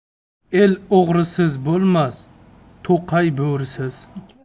el o'g'risiz bo'lmas to'qay bo'risiz